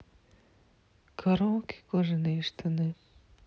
караоке кожаные штаны